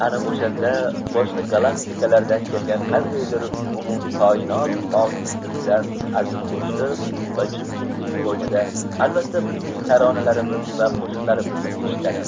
ana o'shanda boshqa galaktikalardan kelgan qandaydir umumkoinot ongi zimdan azim bo'shliq va jimjitlik qo'ynida albatta bizning taronalarimiz va qo'shiqlarimizni eshitadi